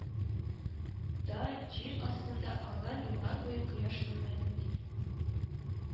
Да, җир астында айлар, еллар буе кояш күрмәдем бит: